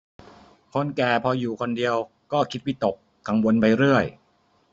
คนแก่พออยู่คนเดียวก็คิดวิตกกังวลไปเรื่อย